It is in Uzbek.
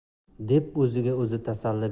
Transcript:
deb o'ziga o'zi